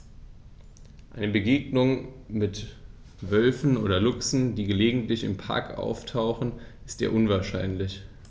Eine Begegnung mit Wölfen oder Luchsen, die gelegentlich im Park auftauchen, ist eher unwahrscheinlich.